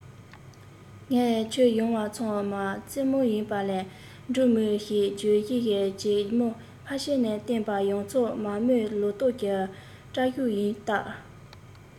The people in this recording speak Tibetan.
ངས ཁྱེར ཡོང བ ཚང མ ཙེ མོ ཡིན པ ལས འབྲུ མིན ཞེས བརྗོད བཞིན སྒྱེ མོ ཁ ཕྱེ ནས བསྟན པས ཡོངས ཚོགས མ རྨོས ལོ ཏོག གི སྐྲ གཞུག ཡིན སྟབས